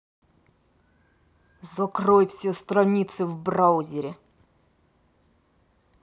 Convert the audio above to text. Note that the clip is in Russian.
закрой все страницы в браузере